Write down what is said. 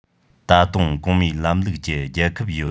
ད དུང གོང མའི ལམ ལུགས ཀྱི རྒྱལ ཁབ ཡོད